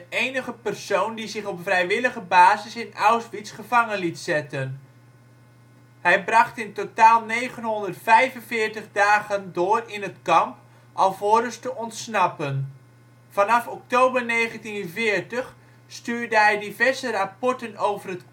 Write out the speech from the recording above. enige persoon was die zich op vrijwillige basis in Auschwitz gevangen liet zetten. Hij bracht in totaal 945 dagen door in het kamp, alvorens te ontsnappen. Vanaf oktober 1940 stuurde hij diverse rapporten over